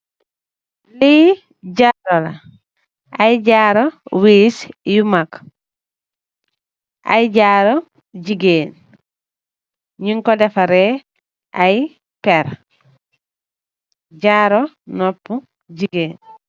Li jaaru la ay jaaru wiss yu maag ay jaaru jigeen nyun ko defareh ay perr jaaru noppa jigeen.